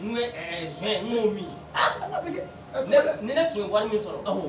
N'u ye z no min tun ye wari min sɔrɔ